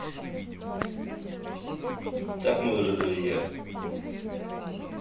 так мы уже друзья